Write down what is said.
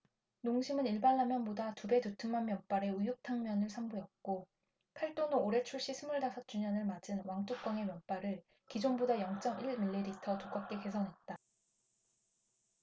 농심은 일반라면보다 두 배 두툼한 면발의 우육탕면을 선보였고 팔도는 올해 출시 스물 다섯 주년을 맞은 왕뚜껑의 면발을 기존보다 영 쩜 일 밀리미터 두껍게 개선했다